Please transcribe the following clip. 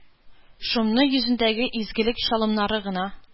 Шомны йөзендәге изгелек чалымнары гына